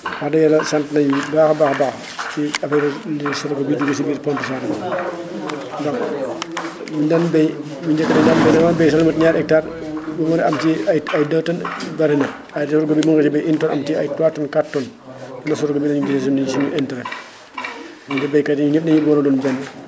wax dëgg yàlla sant nañu bu baax a baax ci affaire sorgho bi dugg si biir Pointe Sarene ndax bu ñu daan béy bu njëkk da nga daan béy sax lu mot ñaari hectare pour mën a am ci ay ay 2 tonnes bëri na waaye jamono bii mënoo si béy 1 tonne am ci ay 3 tonnes 4 tonnes nga soog a mën a gis ñun suñu interêt xam nga baykat yi ñun ñëpp dañu war a doon benn